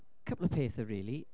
Cwpl o pethe, rili.